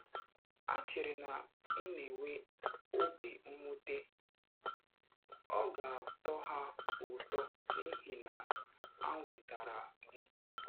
Ha chere na ị na enwe obi mwute, ọ ga-atọ ha ụtọ n’ihi na ha nwetara gị.”